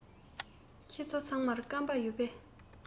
ཁྱེད ཚོ ཚང མར སྐམ པ ཡོད པས